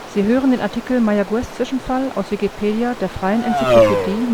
Sie hören den Artikel Mayaguez-Zwischenfall, aus Wikipedia, der freien Enzyklopädie